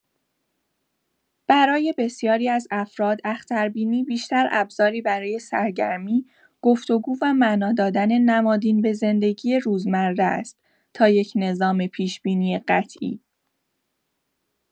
برای بسیاری از افراد، اختربینی بیشتر ابزاری برای سرگرمی، گفت‌وگو و معنا دادن نمادین به زندگی روزمره است تا یک نظام پیش‌بینی قطعی.